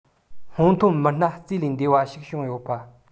སྔོན ཐོན མི སྣ རྩིས ལས འདས པ ཞིག བྱུང ཡོད པ